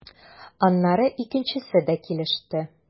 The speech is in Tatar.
Аннары икенчесе дә килеште.